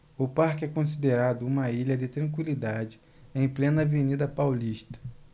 o parque é considerado uma ilha de tranquilidade em plena avenida paulista